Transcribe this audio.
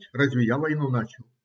Разве я войну начал?